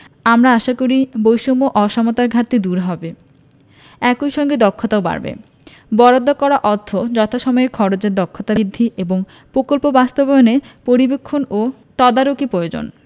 আমরা আশা করি বৈষম্য অসমতার ঘাটতি দূর হবে একই সঙ্গে দক্ষতাও বাড়বে বরাদ্দ করা অর্থ যথাসময়ে খরচের দক্ষতা বৃদ্ধি এবং প্রকল্প বাস্তবায়নে পরিবীক্ষণ ও তদারকি প্রয়োজন